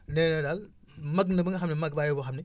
nee na daal màgg na ba nga xam ne màgguwaay boo xam ne